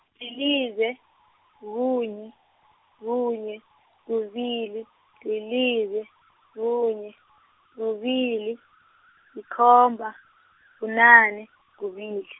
lilize, kunye, kunye, kubili, lilize, kunye, kubili, likhomba, bunane, kubili.